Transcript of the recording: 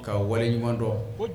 Ka waleɲuman dɔn